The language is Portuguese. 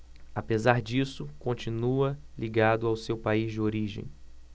apesar disso continua ligado ao seu país de origem